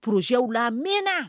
Pjɛew lam mɛnɛna